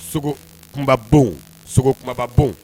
Sogo kunba bon kumaba bon